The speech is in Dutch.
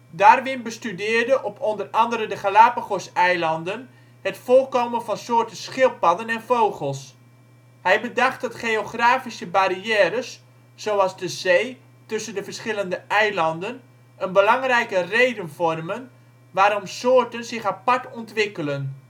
Darwin bestudeerde op onder andere de Galapagoseilanden het voorkomen van soorten schildpadden en vogels. Hij bedacht dat geografische barrières, zoals de zee tussen de verschillende eilanden, een belangrijke reden vormen waarom soorten zich apart ontwikkelen